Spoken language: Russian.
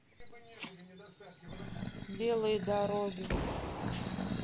белые дороги